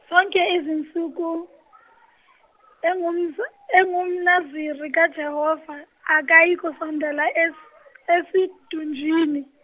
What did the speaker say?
zonke izinsuku engumz- engumNaziri kaJehova akayikusondela esi- esidunjini.